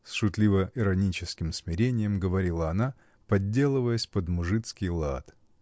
— с шутливо-ироническим смирением говорила она, подделываясь под мужицкий лад.